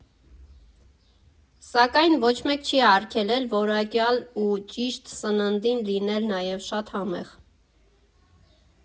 Սակայն ոչ մեկ չի արգելել որակյալ ու ճիշտ սննդին լինել նաև շատ համեղ։